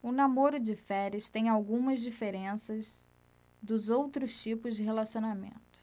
o namoro de férias tem algumas diferenças dos outros tipos de relacionamento